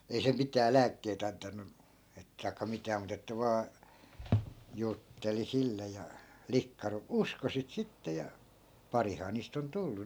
ei se mitään lääkkeitä antanut - tai mitään mutta että vain jutteli sille ja likka - uskoi sitä sitten ja parihan niistä on tullut